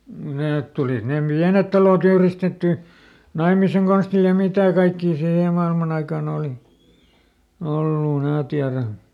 ne tulivat ne pienet talot yhdistettyä naimisen konstilla ja mitä kaikkea siihen maailman aikaan oli ollut en minä tiedä